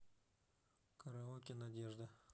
караоке надежда